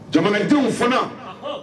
Jamanadenww fana